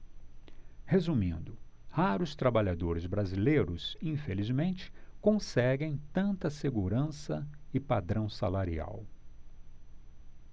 resumindo raros trabalhadores brasileiros infelizmente conseguem tanta segurança e padrão salarial